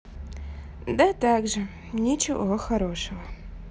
да так же ничего хорошего